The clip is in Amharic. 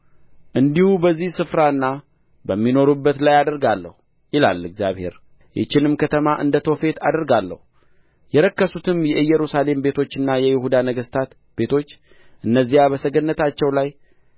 እንዲሁ በዚህ ስፍራና በሚኖሩበት ላይ አደርጋለሁ ይላል እግዚአብሔር ይህችንም ከተማ እንደ ቶፌት አደርጋለሁ የረከሱትም የኢየሩሳሌም ቤቶችና የይሁዳ ነገሥታት ቤቶች እነዚያ በሰገነታቸው ላይ